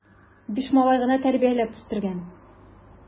Биш малай гына тәрбияләп үстергән!